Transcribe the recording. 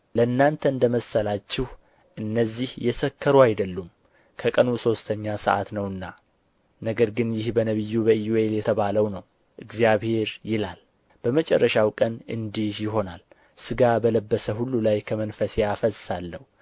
ለእናንተ እንደ መሰላችሁ እነዚህ የሰከሩ አይደሉም ከቀኑ ሦስተኛ ሰዓት ነውና ነገር ግን ይህ በነቢዩ በኢዩኤል የተባለው ነው እግዚአብሔር ይላል በመጨረሻው ቀን እንዲህ ይሆናል ሥጋ በለበሰ ሁሉ ላይ ከመንፈሴ አፈሳለሁ